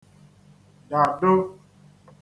dàdo